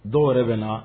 Dɔw yɛrɛ bɛ na